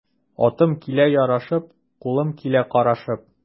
Атым килә ярашып, кулым килә карышып.